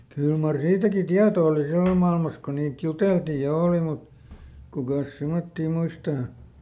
kyllä mar siitäkin tieto oli silloin maailmassa kun niitä juteltiin ja oli mutta kukas semmoisia muistaa